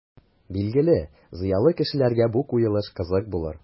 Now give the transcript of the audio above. Билгеле, зыялы кешеләргә бу куелыш кызык булыр.